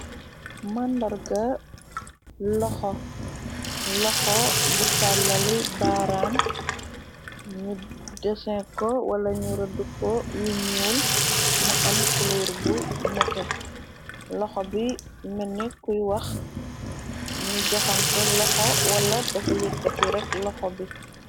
màndarga loxo loxo bu tàllali baaraam, ñu desen ko wala ñu rëdd ko yu ñuul mu am kuluur bu nete loxo bi mëne kuy wax ñu joxante loxo wala dafa yekkati rekk loxo bi.